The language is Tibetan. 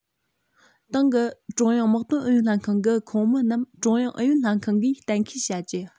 ཏང གི ཀྲུང དབྱང དམག དོན ཨུ ཡོན ལྷན ཁང གི ཁོངས མི རྣམས ཀྲུང དབྱང ཨུ ཡོན ལྷན ཁང གིས གཏན འཁེལ བྱ རྒྱུ